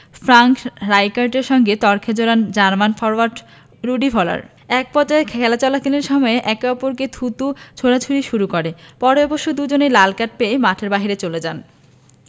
Frank রাইকার্ডের সঙ্গে তর্কে জড়ান জার্মান ফরোয়ার্ড রুডি ভলার একপর্যায়ে খেলা চলাকালীন সময়েই একে অপরকে থুতু ছোড়াছুড়ি শুরু করেন পরে অবশ্য দুজনই লাল কার্ড পেয়ে মাঠের বাইরে চলে যান